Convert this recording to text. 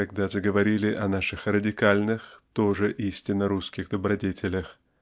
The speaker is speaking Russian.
когда заговорили о наших радикарльных тоже истиннорусских добродетелях.